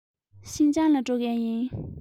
ཤིན ཅང ལ འགྲོ མཁན ཡིན